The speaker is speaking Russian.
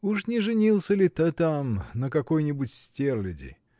Уж не женился ли ты там на какой-нибудь стерляди?